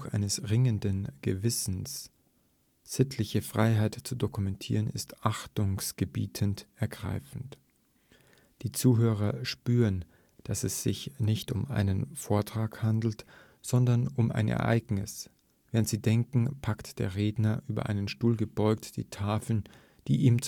eines ringenden Gewissens sittliche Freiheit zu dokumentieren, ist achtungsgebietend, ergreifend. Die Zuhörer spüren, dass es sich nicht um einen Vortrag handelt, sondern um ein Ereignis. Während sie danken, packt der Redner, über einen Stuhl gebeugt, die Tafeln, die ihm